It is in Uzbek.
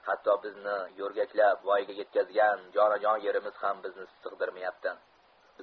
hatto bizni yo'rgaklab voyaga yetkazgan jonajon yerimiz ham bizni sig'dirmayapti